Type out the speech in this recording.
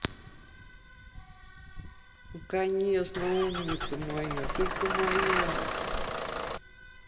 ну конечно умница моя только моя